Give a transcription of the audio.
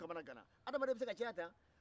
ale kamana ganna